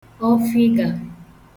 ọfịgà